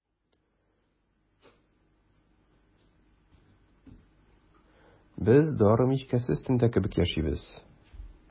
Без дары мичкәсе өстендә кебек яшибез.